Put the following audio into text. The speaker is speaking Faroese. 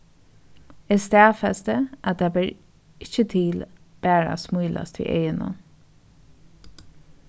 eg staðfesti at tað ber ikki til bara at smílast við eygunum